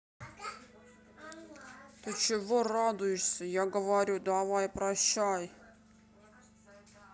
ты чего радуешься я говорю давай прощай